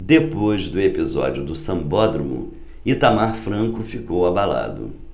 depois do episódio do sambódromo itamar franco ficou abalado